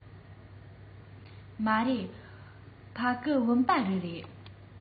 མ རེད ཕ གི བུམ པ རི རེད